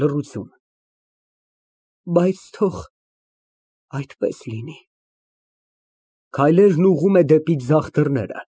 Լռություն) Բայց թող այդպես լինի։ (Քայլերն ուղղում է դեպի ձախ դռները։